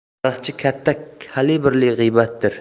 tarixchi katta kalibrli g'iybatdir